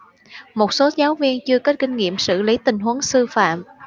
một số giáo viên chưa có kinh nghiệm xử lý tình huống sư phạm